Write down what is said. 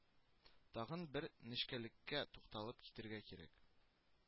Тагын бер нечкәлеккә тукталып китәргә кирәк